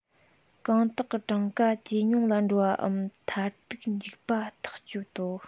གང དག གི གྲངས ཁ ཇེ ཉུང ལ འགྲོ བའམ མཐར ཐུག འཇིག པ ཐག གཅོད དོ